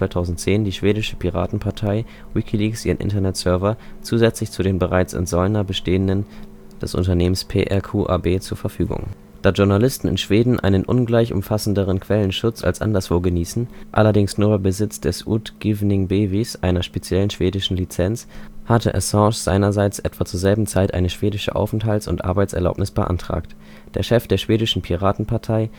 2010 die schwedische Piratenpartei WikiLeaks ihre Internetserver zusätzlich zu den bereits in Solna bestehenden des Unternehmens PRQ AB zur Verfügung. Da Journalisten in Schweden einen ungleich umfassenderen Quellenschutz als anderswo genießen, allerdings nur bei Besitz des „ Utgivningsbevis “, einer speziellen schwedischen Lizenz, hatte Assange seinerseits etwa zur selben Zeit eine schwedische Aufenthalts - und Arbeitserlaubnis beantragt. Der Chef der schwedischen Piratenpartei